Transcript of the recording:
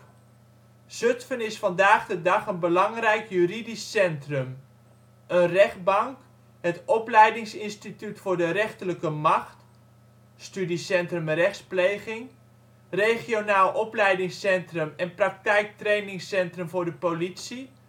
Zutphen is vandaag de dag een belangrijk juridisch centrum. Een rechtbank, het opleidingsinstituut voor de rechterlijke macht (Studiecentrum Rechtspleging; SSR), regionaal opleidingscentrum en (praktijk) trainingscentrum voor de politie